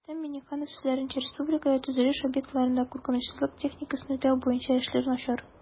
Рөстәм Миңнеханов сүзләренчә, республикада төзелеш объектларында куркынычсызлык техникасын үтәү буенча эшләр начар